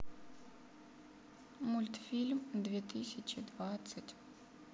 мультфильм две тысячи двадцать